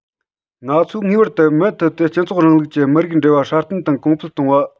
ང ཚོས ངེས པར དུ མུ མཐུད དེ སྤྱི ཚོགས རིང ལུགས ཀྱི མི རིགས འབྲེལ བ སྲ བརྟན དང གོང འཕེལ གཏོང བ